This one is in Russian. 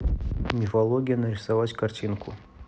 мифология нарисовать картинку